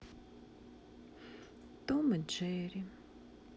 том и джерри